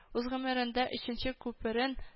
Үз гомерендә өченче күперен